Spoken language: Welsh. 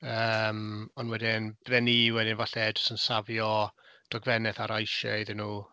Yym ond wedyn bydden ni wedyn falle jyst yn safio dogfennaeth ar iShare iddyn nhw.